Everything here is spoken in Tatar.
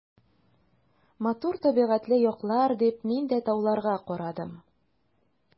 Матур табигатьле яклар, — дип мин дә тауларга карадым.